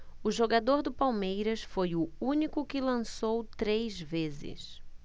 o jogador do palmeiras foi o único que lançou três vezes